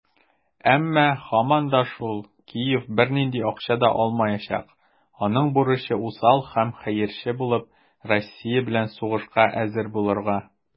Әмма, һаман да шул, Киев бернинди акча да алмаячак - аның бурычы усал һәм хәерче булып, Россия белән сугышка әзер булырга.